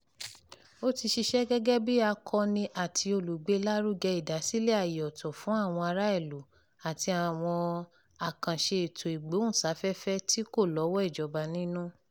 Ó ti ṣiṣẹ́ gẹ́gẹ́ bí akọ́ni àti olùgbé-lárúgẹ ìdásílẹ̀ àyè ọ̀tọ̀ fún àwọn ará ìlú àti àwọn àkànṣe eto ìgbóhùn sáfẹ́fẹ́ tí kò lọ́wọ́ ìjọ̀ba nínú.